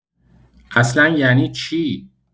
اصلا ینی چی